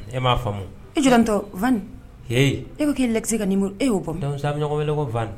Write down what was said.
E m'a faamumu etɔin e bɛ k' e la ka nini e y'oɔgɔ bɛi